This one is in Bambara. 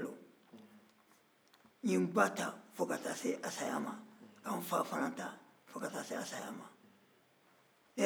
n ye nba ta fo ka ta'a se a ka saya ma ka nfa fana ta fo ka ta'a se a ka saya ma ne yɛrɛ bɛ yɔrɔ min na bi